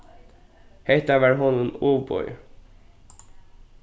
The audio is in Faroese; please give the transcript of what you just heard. hetta var honum ovboðið